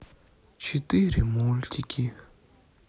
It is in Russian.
четыре мультики